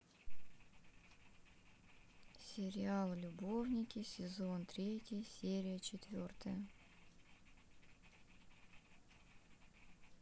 сериал любовники сезон третий серия четвертая